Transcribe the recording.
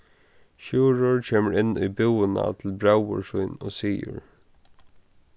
sjúrður kemur inn í búðina til bróður sín og sigur